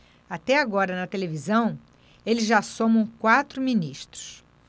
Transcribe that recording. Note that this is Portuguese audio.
até agora na televisão eles já somam quatro ministros